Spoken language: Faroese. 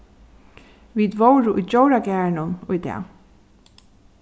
vit vóru í djóragarðinum í dag